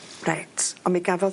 Reit on' mi gafodd...